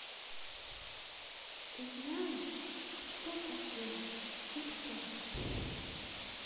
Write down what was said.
ты знаешь что такое тик ток